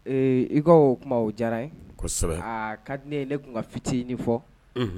Eee i ka o kuma o diyara ye, kosɛbɛ, a ka di ne ye tun ka fitiini fɔ.